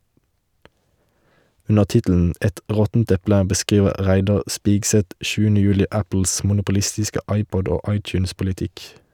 Under tittelen "Et råttent eple" beskriver Reidar Spigseth 7. juli Apples monopolistiske iPod- og iTunes-politikk.